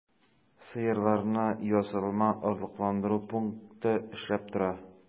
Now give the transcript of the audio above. Сыерларны ясалма орлыкландыру пункты эшләп тора.